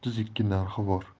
o'ttiz ikki narxi bor